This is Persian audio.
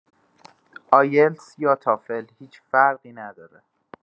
ایلتس یا تاقل هیچ فرقی نداره.